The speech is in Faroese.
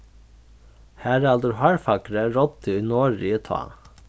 haraldur hárfagri ráddi í noregi tá